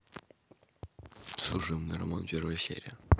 служебный роман первая серия